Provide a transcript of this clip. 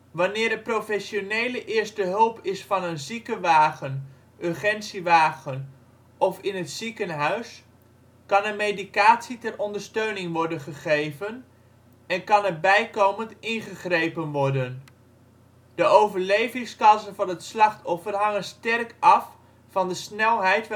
Wanneer er professionele eerstehulp is van een ziekenwagen, urgentie-wagen (MUG of PUC) of in het ziekenhuis kan er medicatie ter ondersteuning gegeven worden en kan er bijkomend ingegrepen worden. De overlevingskansen van het slachtoffer hangen sterk af van de snelheid